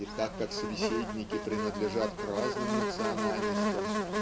и так как собеседники принадлежат к разным национальностям